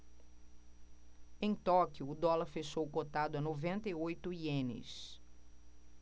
em tóquio o dólar fechou cotado a noventa e oito ienes